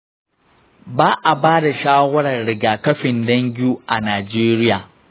ba a ba da shawarar rigakafin dengue a najeriya.